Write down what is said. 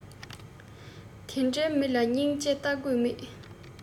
དེ འདྲའི མི ལ སྙིང རྗེ ལྟ དགོས མེད